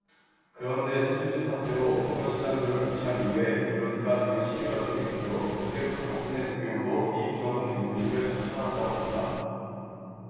그런데 최순실 사태로 비서실장 등을 교체한 이후에 그러니까 작년 십 일 월쯤 되겠죠 그때부터 박근혜 대통령도 이 비서동 집무실을 자주 찾아왔다고 합니다